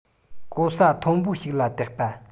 གོ ས མཐོན པོ ཞིག ལ བཏེག པ